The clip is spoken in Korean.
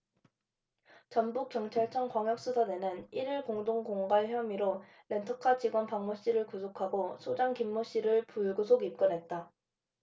전북경찰청 광역수사대는 일 일 공동공갈 혐의로 렌터카 직원 박모씨를 구속하고 소장 김모씨를 불구속 입건했다